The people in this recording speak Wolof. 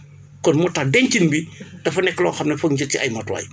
kon moo tax dencin bi dafa nekk loo xam ne foog ñu jël ci ay matuwaay